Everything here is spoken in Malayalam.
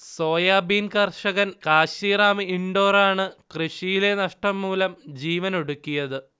സോയാബീൻ കർഷകൻ കാശീറാം ഇൻഡോറാണ് കൃഷിയിലെ നഷ്ടം മൂലം ജീവനൊടുക്കിയത്